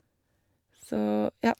Så, ja.